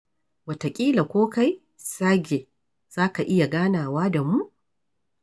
Wataƙila ko kai, Sergey, za ka iya ganawa da mu?